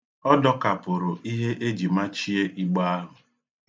Ọ dọkapụrụ ihe e ji machie igbe ahụ.